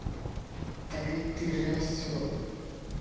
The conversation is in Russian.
так ведь ты же осел